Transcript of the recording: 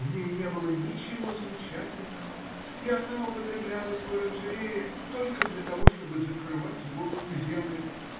В ней не было ничего замечательного, и она употреблялась в оранжерее только для того, чтобы закрывать голую землю.